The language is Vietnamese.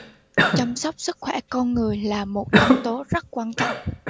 chăm sóc sức khỏe con người là một nhân tố rất quan trọng